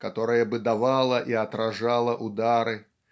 которая бы давала и отражала удары.